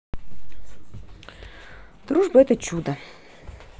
дружба это чудо